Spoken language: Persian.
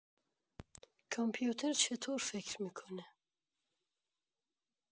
کامپیوتر چطور فکر می‌کنه؟